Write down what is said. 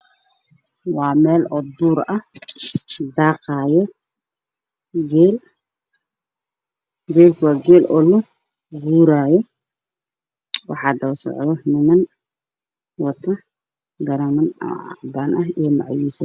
Beeshanno meel banaan ah oo geedi ku yaallaan oo ay marayaan geelow iyo arri kale oo daaqayo